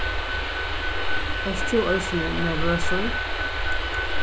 ert tú eisini nervøsur